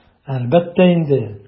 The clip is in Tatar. Әлбәттә инде!